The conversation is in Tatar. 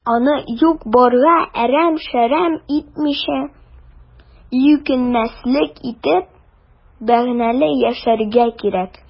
Аны юк-барга әрәм-шәрәм итмичә, үкенмәслек итеп, мәгънәле яшәргә кирәк.